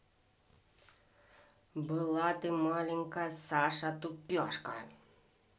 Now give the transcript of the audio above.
была ты маленькая саша тупяшка